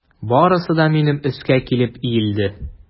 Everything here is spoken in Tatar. Барысы да минем өскә килеп иелде.